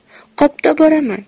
qopda oboraman